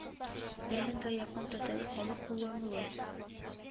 Бер меңгә якын төрдәге халык куллануы